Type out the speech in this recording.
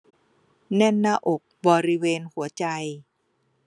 แน่นหน้าอกบริเวณหัวใจ